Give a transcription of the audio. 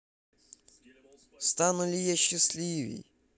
стану ли я счастливей